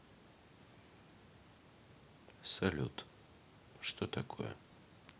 салют что такое